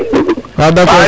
wa d' accord `